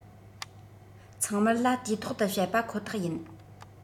ཚང མར ལ དུས ཐོག ཏུ བཤད པ ཁོ ཐག ཡིན